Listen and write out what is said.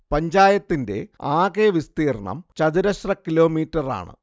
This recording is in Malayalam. പഞ്ചായത്തിന്റെ ആകെ വിസ്തീർണം ചതുരശ്ര കിലോമീറ്ററാണ്